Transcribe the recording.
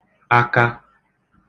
aka